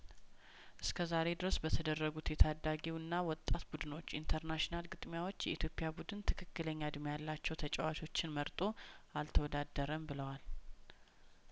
እስከዛሬ ድረስ በተደረጉት የታዳጊ ውና ወጣት ቡድኖች ኢንተርናሽናል ግጥሚያዎች የኢትዮጵያ ቡድን ትክክለኛ እድሜ ያላቸው ተጨዋቾችን መርጦ አልተወዳደረም ብለዋል